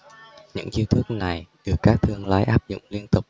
những chiêu thức này được các thương lái áp dụng liên tục